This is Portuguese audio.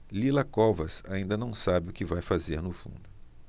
lila covas ainda não sabe o que vai fazer no fundo